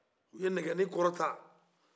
u ye nɛgɛni kɔrɔta